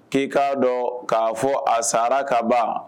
K'i k'a dɔn k'a fɔ a sara kaban